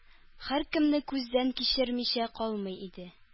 Һәркемне күздән кичермичә калмый иде.